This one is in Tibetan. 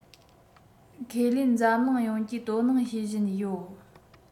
ཁས ལེན འཛམ གླིང ཡོངས ཀྱིས དོ སྣང བྱེད བཞིན ཡོད